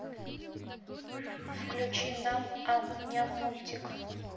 включи нам ам ням мультик